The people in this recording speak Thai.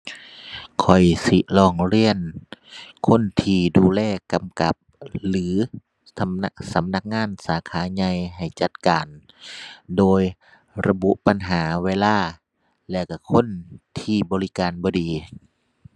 ข้อยสิร้องเรียนคนที่ดูแลกำกับหรือสำนัก สำนักงานสาขาใหญ่ให้จัดการ โดยระบุปัญหา เวลา และก็คนที่บริการบ่ดี